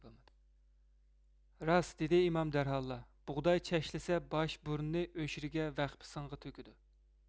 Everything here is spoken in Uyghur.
راست دېدى ئىمام دەرھاللا بۇغداي چەشلىسە باش بۇرنىنى ئۆشرىگە ۋەخپە سېڭىغا تۆكىدۇ